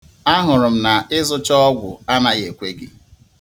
Ahụrụ m na ịzụcha ọgwụ anaghị ekwe gị.